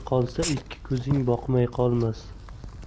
qolsa ikki ko'zing boqmay qolmas